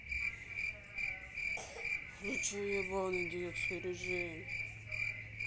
включи ебаный детский режим